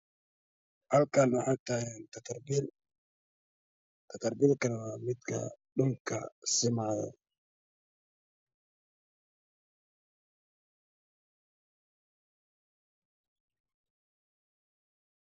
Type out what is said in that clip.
Halkaan waxa taagan kabarbiin katarbiinka waa midka dhulka simaayo